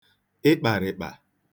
ịkpàrị̀kpà